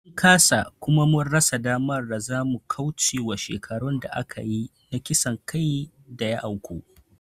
Mun kasa, kuma mun rasa damar da za mu kauce wa shekarun da aka yi na kisan kai da ya auku.